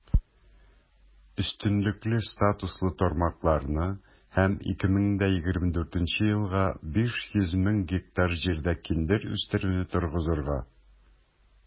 Өстенлекле статуслы тармакларны һәм 2024 елга 500 мең гектар җирдә киндер үстерүне торгызырга.